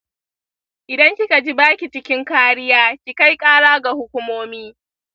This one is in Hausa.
idan kikaji baki cikin kariya, ki kai kara ga hukumomi.